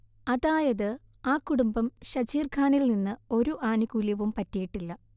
അതായത് ആ കുടുംബം ഷജീർഖാനിൽ നിന്ന് ഒരു ആനുകൂല്യവും പറ്റിയിട്ടില്ല